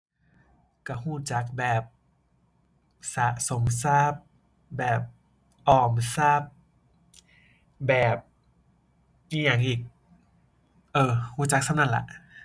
ก็ก็จักแบบสะสมทรัพย์ แบบออมทรัพย์ แบบอิหยังอีก เอ้อ ก็จักส่ำนั้นล่ะ